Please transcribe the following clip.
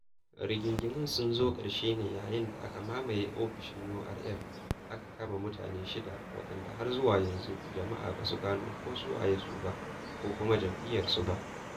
Rigingimun sun zo ƙarshe ne yayin da aka mamaye ofishin URF aka kama mutane shida waɗanda har zuwa yanzu jama'a ba su gano ko su waye su ba ko kuma jam'iyyarsu ba.